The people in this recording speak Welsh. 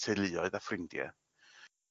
teuluoedd a ffrindie.